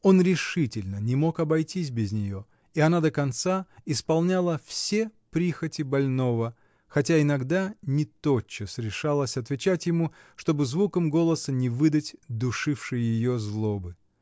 он решительно не мог обойтись без нее -- и она до конца исполняла все прихоти больного, хотя иногда не тотчас решалась отвечать ему, чтобы звуком голоса не выдать душившей ее злобы.